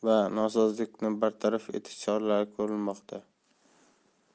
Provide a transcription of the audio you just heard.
va nosozlikni bartaraf etish choralari ko'rilmoqda